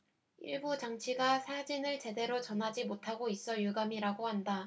일부 장치가 사진을 제대로 전하지 못하고 있어 유감이라고 한다